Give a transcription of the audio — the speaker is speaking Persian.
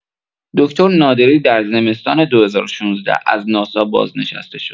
دکتر نادری در زمستان ۲۰۱۶ از ناسا بازنشسته شد.